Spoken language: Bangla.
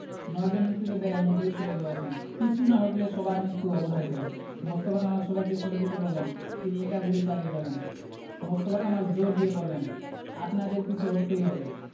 নয়জন মুক্তিযোদ্ধা এর মধ্যেই শহিদ হয়েছেন পিছু না হটলে সবার মৃত্যু অবধারিত মোস্তফা কামাল সবাইকে সরে যেতে বললেন তিনি একা গুলি চালিয়ে যাবেন মোস্তফা কামাল জোর দিয়ে বললেন আপনাদের পিছু হটতেই হবে